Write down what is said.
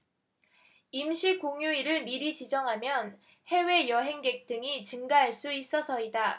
임시공휴일을 미리 지정하면 해외 여행객 등이 증가할 수 있어서다